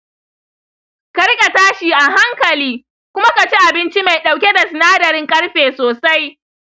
ka riƙa tashi a hankali, kuma ka ci abinci mai ɗauke da sinadarin ƙarfe sosai.